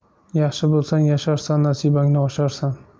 yaxshi bo'lsang yasharsan nasibangni osharsan